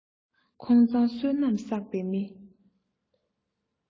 ཁོང མཛངས བསོད ནམས བསགས པའི མི